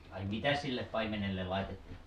ai mitä sille paimenelle laitettiin